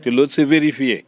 te loolu c' est vérifié